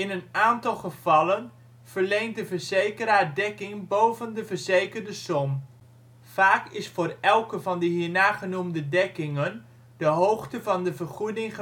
een aantal gevallen verleent de verzekeraar dekking boven de verzekerde som. Vaak is voor elke van de hierna genoemde dekkingen de hoogte van de vergoeding